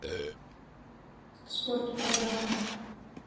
спорт программы